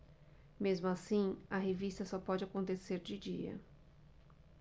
mesmo assim a revista só pode acontecer de dia